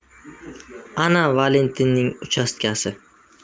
ana valentinning uchastkasi